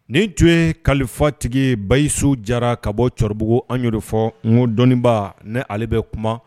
Nin tun ye kalifafatigi bayiso jara ka bɔ cɛkɔrɔbabugu an'o fɔ nugu dɔnniba niale bɛ kuma